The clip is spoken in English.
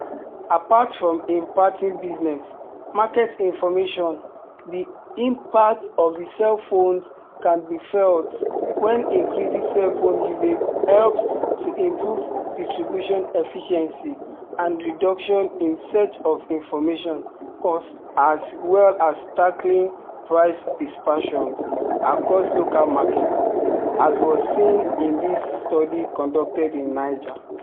Apart from imparting business/market information, the impact of the cell phones can be felt when increasing cell phone usage helps to improve distribution efficiency and reduction in search-of-information costs as well as tackling price dispersions across local markets, as was seen in this study conducted in Niger.